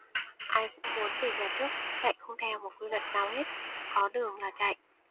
ai cũng muốn về nhà trước chạy không theo một quy luật nào hết có đường là chạy